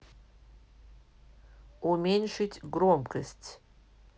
уменьшить громкость